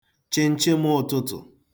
chịnchịm ụ̄tụ̄tụ̀